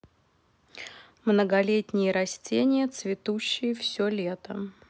многолетние растения цветущие все лето